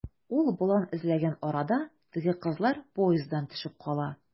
Ул болан эзләгән арада, теге кызлар поезддан төшеп кала.